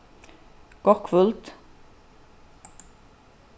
gott kvøld